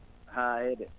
haa eeyi de